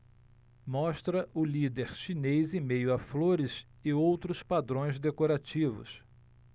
mostra o líder chinês em meio a flores e outros padrões decorativos